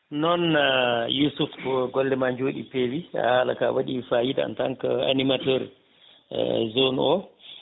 noon Yousouf gollema joɗi peewi haalaka waɗi fayida en tant que animateur zone o